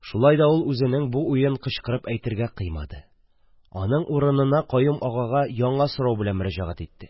Шулай да ул үзенең бу уен кычкырып әйтергә кыймады, аның урынына Каюм агага яңа сорау белән мөрәҗәгать итте.